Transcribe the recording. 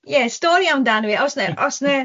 ie, stori amdano e. Os ne, os ne